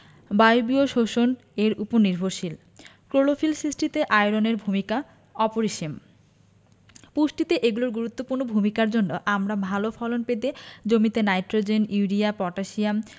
বায়বীয় শ্বসন এর উপর নির্ভরশীল ক্লোরোফিল সিষ্টিতে আয়রনের ভূমিকা অপরিসীম পুষ্টিতে এগুলোর গুরুত্বপূর্ণ ভূমিকার জন্য আমরা ভালো ফলন পেতে জমিতে নাইট্রোজেন ইউরিয়া পটাশিয়াম